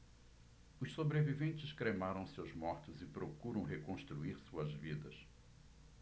os sobreviventes cremaram seus mortos e procuram reconstruir suas vidas